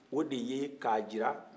o de ye ka jira